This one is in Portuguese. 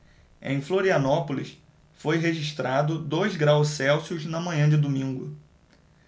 em florianópolis foi registrado dois graus celsius na manhã de domingo